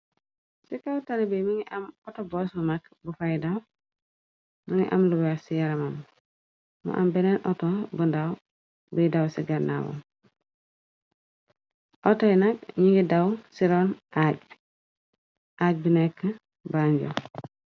ci kaw taalibi mi ngi am autobosu mag bu faydaw mu ngi am luweer ci yaramam mu am beneen auto bu ndaw buy daw ci gannaawu outoy nag ñi ngi daw ci roon aag bi nekk banjo